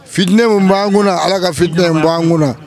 Fitinɛ min b'an kunna , allah ka fitinɛ in bɔ an kunna!